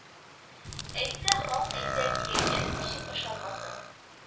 Әйтсә хак әйтә, дигәнгә ничек ышанмассың